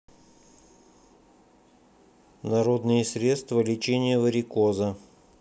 народные средства лечения варикоза